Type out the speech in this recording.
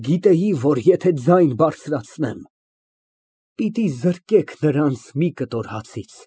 Գիտեի, որ եթե ձայն բարձրացնեմ, պիտի զրկեք նրանց մի կտոր հացից։